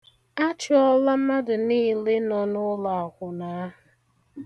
Achụọla mmadụ niile nọ n'ụlọakwụna ahụ.